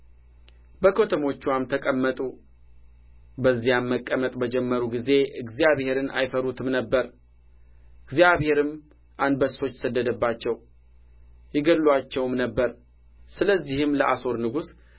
በከተሞችዋም ተቀመጡ በዚያም መቀመጥ በጀመሩ ጊዜ እግዚአብሔርን አይፈሩትም ነበር እግዚአብሔርም አንበሶች ሰደደባቸው ይገድሉአቸውም ነበር ስለዚህም ለአሦር ንጉሥ